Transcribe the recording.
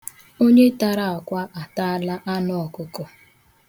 Onye tara akwa atala anụọkụkọ.